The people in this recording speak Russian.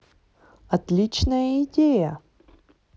отличная идея